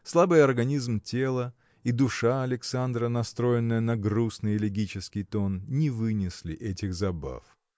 Слабый организм тела и душа Александра настроенная на грустный элегический тон не вынесли этих забав.